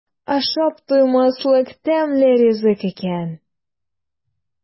Ашап туймаслык тәмле ризык икән.